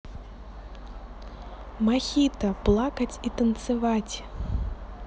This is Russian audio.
мохито плакать и танцевать